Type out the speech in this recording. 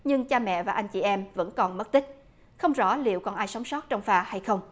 nhưng cha mẹ và anh chị em vẫn còn mất tích không rõ liệu còn ai sống sót trong phà hay không